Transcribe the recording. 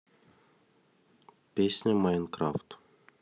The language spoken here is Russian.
песня майнкрафт